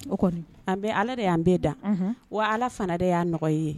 O an bɛ ala de y'an bɛɛ dan wa ala fana de y'a nɔgɔ ye